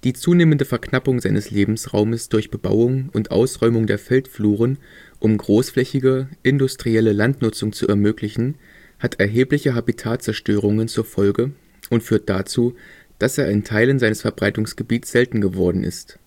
zunehmende Verknappung seines Lebensraumes durch Bebauung und Ausräumung der Feldfluren um großflächige, industrielle Landnutzung zu ermöglichen, hat erhebliche Habitat-Zerstörungen zur Folge und führt dazu, dass er in Teilen seines Verbreitungsgebietes selten geworden ist